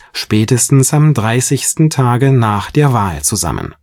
spätestens am dreißigsten Tage nach der Wahl zusammen